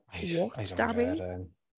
I don-... What, Dami?... I don't get it.